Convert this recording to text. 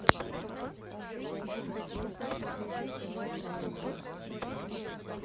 адская кухня с ивлиевым